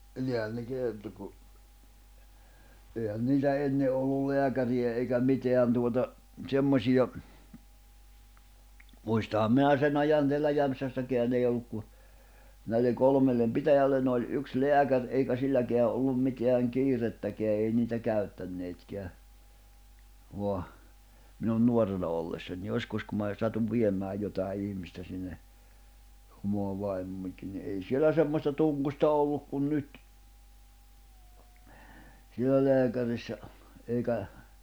niinhän ne kertoi kun eihän niitä ennen ollut lääkäriä eikä mitään tuota semmoisia muistanhan minä sen ajan täällä Jämsässäkään ei ollut kuin näille kolmelle pitäjälle oli yksi lääkäri eikä silläkään ollut mitään kiirettäkään ei niitä käyttäneetkään vaan minun nuorena ollessani joskus kun minä satuin viemään jotakin ihmistä sinne omaa vaimoanikin niin ei siellä semmoista tungosta ollut kuin nyt siellä lääkärissä eikä